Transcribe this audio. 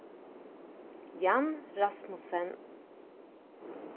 jan rasmussen